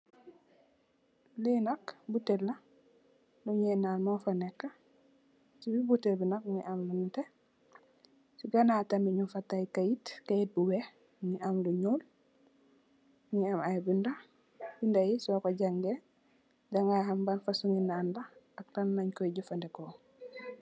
Li nak buteel la, lu nye nan mo fa nekka. Ci buteel bi nak mungi am lu nètè. Ci gannaw tamit nung fa taay kayit, kayit bu weeh mungi am lu ñuul, mungi am ay binda. Binda yi soko jàngay daga ham li ban fasung ngi nan la ak Lan leen koy jafadeko.